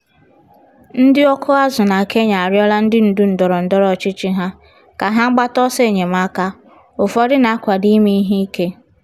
Ndị ọkụ azụ̀ na Kenya arịọla ndị ndú ndọrọ ndọrọ ọchịchị ha ka ha gbata ọsọ enyemaka, ụfọdụ na-akwado ime ihe ike.